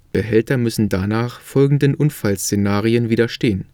Behälter müssten danach folgenden Unfallszenarien widerstehen